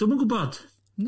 Dw'm yn gwbod.